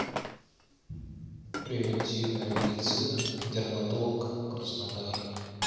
превентивная медицина дерматолог краснодар